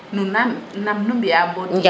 nuna nam nu mbiya bo